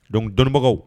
Don dɔnnibagaw